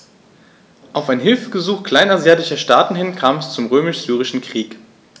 Auf ein Hilfegesuch kleinasiatischer Staaten hin kam es zum Römisch-Syrischen Krieg.